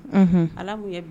Un ala ye